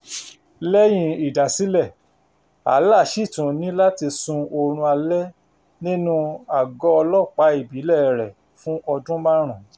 Lẹ́yìn ìdásílẹ̀, Alaa ṣì tún ní láti sun ọrùn alẹ́ nínú àgọ́ ọlọ́pàá ìbílẹ̀ẹ rẹ̀ fún "ọdún márùn-ún".